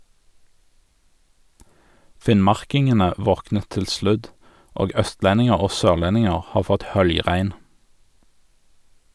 Finnmarkingene våknet til sludd, og østlendinger og sørlendinger har fått høljregn.